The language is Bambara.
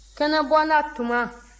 kɛnɛbɔnda tuma